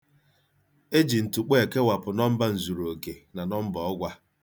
E ji ntụkpọ ekewapụ nọmba nnuzuroke na nọmba ọgwa.